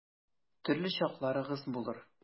Төрле чакларыгыз булыр.